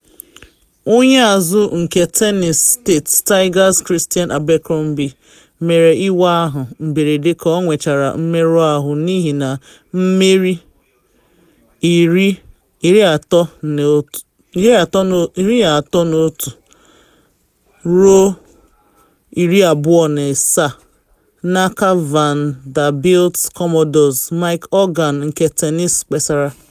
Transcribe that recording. Onye azụ nke Tennessee State Tigers Christion Abercrombie mere ịwa ahụ mberede ka ọ nwechara mmerụ ahụ n’ihi na mmeri 31-27 n’aka Vanderbilt Commodores, Mike Organ nke Tennessee kpesara.